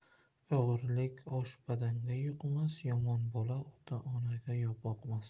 o'g'irlik osh badanga yuqmas yomon bola ota onaga boqmas